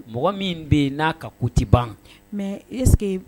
Mɔgɔ min bɛ yen n'a ka koti ban mɛ eseke